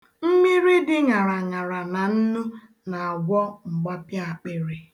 Mmiri dị ṅara ṅara na nnu na-agwọ mgbapịaakpịrị.